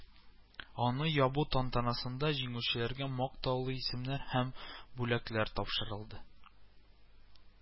Аны ябу тантанасында җиңүчеләргә мактаулы исемнәр һәм бүләкләр тапшырылды